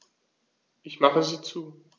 Ich mache sie zu.